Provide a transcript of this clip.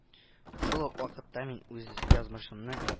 Шул ук вакытта мин үз язмышымны